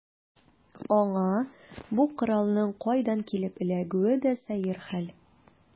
Аңа бу коралның кайдан килеп эләгүе дә сәер хәл.